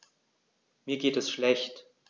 Mir geht es schlecht.